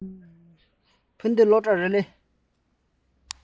ཕ གི སློབ ཕྲུག རེད པས